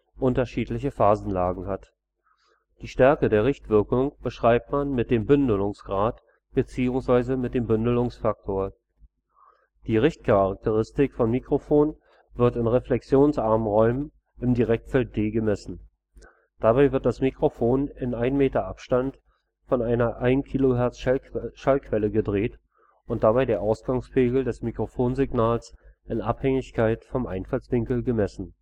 unterschiedliche Phasenlagen hat. Die Stärke der Richtwirkung beschreibt man mit dem Bündelungsgrad bzw. dem Bündelungsfaktor. Die Richtcharakteristik von Mikrofonen wird in reflexionsarmen Räumen im Direktfeld D gemessen. Dabei wird das Mikrofon in 1 m Abstand von einer 1-kHz-Schallquelle gedreht und dabei der Ausgangspegel des Mikrofonsignals in Abhängigkeit vom Einfallswinkel gemessen